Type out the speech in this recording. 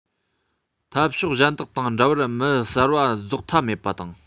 འཐབ ཕྱོགས གཞན དག དང འདྲ བར མི གསར པ རྫོགས མཐའ མེད པ དང